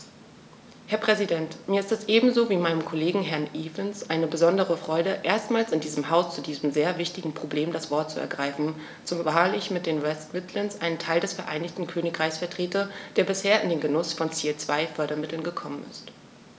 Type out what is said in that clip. Herr Präsident, mir ist es ebenso wie meinem Kollegen Herrn Evans eine besondere Freude, erstmals in diesem Haus zu diesem sehr wichtigen Problem das Wort zu ergreifen, zumal ich mit den West Midlands einen Teil des Vereinigten Königreichs vertrete, der bisher in den Genuß von Ziel-2-Fördermitteln gekommen ist.